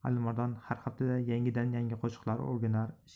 alimardon har haftada yangidan yangi qo'shiqlar o'rganar